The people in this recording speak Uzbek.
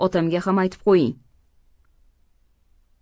otamga ham aytib qo'ying